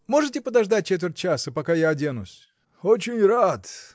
Можете подождать четверть часа, пока я оденусь? — Очень рад!